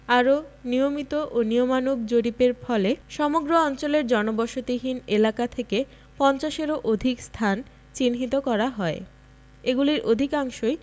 আরও নিয়মিত ও নিয়মানুগ জরিপের ফলে সমগ্র অঞ্চলের জনবসতিহীন এলাকা থেকে পঞ্চাশেরও অধিক স্থান চিহ্নিত করা হয় এগুলির অধিকাংশই